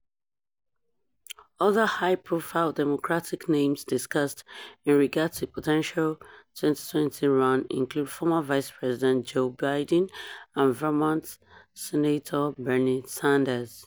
Other high profile Democratic names discussed in regard to a potential 2020 run include former Vice President Joe Biden and Vermont Senator Bernie Sanders.